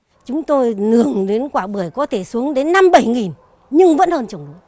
chúng tôi lường đến quả bưởi có thể xuống đến năm bảy nghìn nhưng vẫn hơn trồng